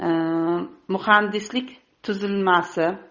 muhandislik tuzilmasi